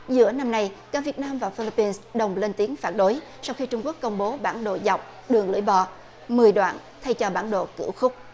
giữa năm nay cả việt nam và phi líp pin đồng lên tiếng phản đối trong khi trung quốc công bố bản đồ dọc đường lưỡi bò mười đoạn thay cho bản đồ cửu khúc